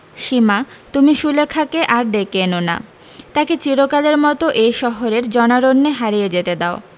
সীমা তুমি সুলেখাকে আর ডেকে এনো না তাকে চিরকালের মতো এই শহরের জনারণ্যে হারিয়ে যেতে দাও